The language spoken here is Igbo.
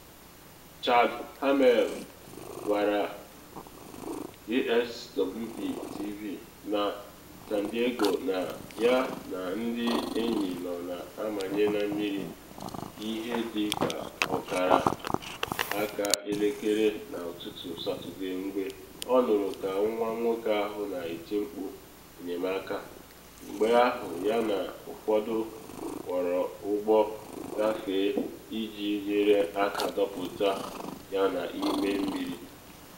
Chad Hammel gwara KSWB-TV na San Diego na ya na ndị enyi nọ na amanye na mmiri ihe dị ka ọkara aka elekere n’ụtụtụ Satọde mgbe ọ nụrụ ka nwa nwoke ahụ na eti mkpu enyemaka, mgbe ahụ ya na ụfọdụ kworo ụgbọ gafee iji nyere aka dọpụta ya n’ime mmiri.